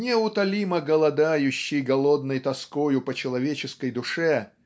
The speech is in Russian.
неутолимо голодающий голодной тоскою по человеческой душе